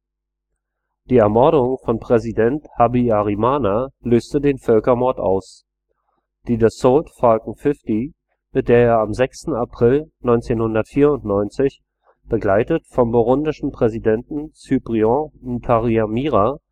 Die Ermordung von Präsident Habyarimana löste den Völkermord aus. Die Dassault Falcon 50, mit der er am 6. April 1994, begleitet vom burundischen Präsidenten Cyprien Ntaryamira